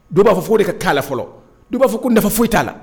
Dɔw ba fɔ fo de ka kala fɔlɔ dɔw ba fɔ ko nafa foyi ta la